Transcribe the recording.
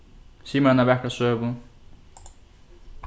sig mær eina vakra søgu